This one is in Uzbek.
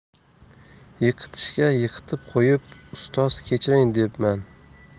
yiqitishga yiqitib qo'yib ustoz kechiring debman